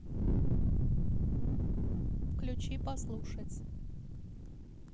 включи послушать